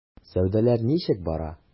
Сәүдәләр ничек бара?